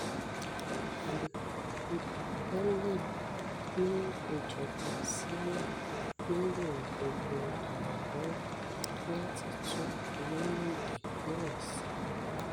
Al-Moualem ní ìjọba Syria nílò gbogbo ìrànlọwọ́ láti tún orílẹ̀-èdè náà ṣe.